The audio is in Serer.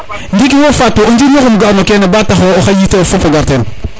ndiki wo Fatou o njirño ngum ga o ten ba tax o xaƴ yite of fop o gar ten